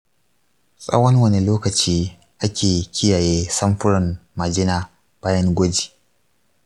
tsawon wane lokaci ake kiyaye samfuran majina bayan gwaji?